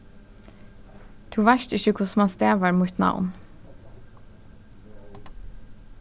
tú veitst ikki hvussu mann stavar mítt navn